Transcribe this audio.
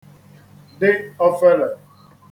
dị ofelè